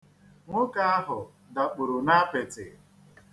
Nwoke ahụ dakpuru n'apịtị.